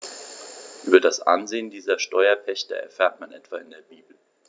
Über das Ansehen dieser Steuerpächter erfährt man etwa in der Bibel.